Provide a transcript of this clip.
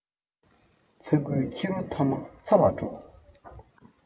ཚྭ ཁའི ཁྱི རོ མཐའ མ ཚྭ ལ འགྲོ